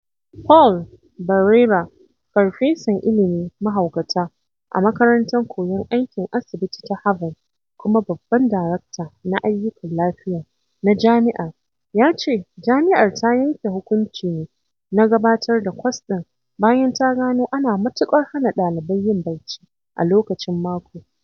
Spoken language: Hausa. Paul Barreira, farfesan ilmin mahaukata a Makarantar Koyon Aikin Asibiti ta Harvard kuma babban darakta na ayyukan lafiya na jami’ar, ya ce jami’ar ta yanke hukunci ne na gabatar da kwas ɗin bayan ta gano ana matuƙar hana ɗalibai yin barci a lokacin mako.